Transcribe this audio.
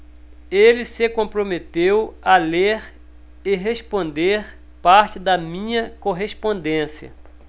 ele se comprometeu a ler e responder parte da minha correspondência